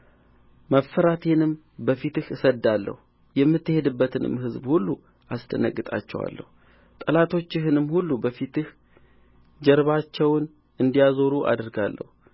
መፈራቴንም በፊትህ እሰድዳለሁ የምትሄድበትንም ሕዝብ ሁሉ አስደነግጣቸዋለሁ ጠላቶችህንም ሁሉ በፊትህ ጀርባቸውን እንዲያዞሩ አደርጋለሁ